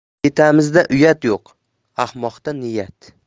betamizda uyat yo'q ahmoqda niyat